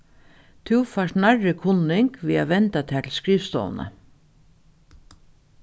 tú fært nærri kunning við at venda tær til skrivstovuna